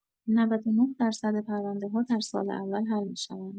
۹۹ درصد پرونده‌‌ها در سال اول حل می‌شوند.